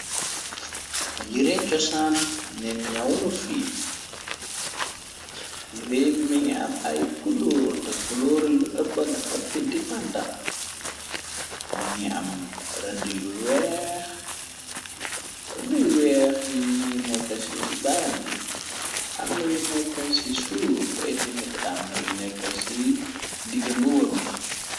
Yi ree cosaan neen ñawulo fi i rée bi mi ngi am ay kulóor te kuloori lu ëppa dafa pinti panta rëdda y weex yi ñi nekk ci baat bi amna yu nekk ci suuf te atamit amna yu nekk ci digamuba mi.